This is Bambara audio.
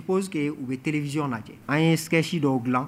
Posi que u bɛ teriere vzi lajɛ an ye sɛsi dɔw dilan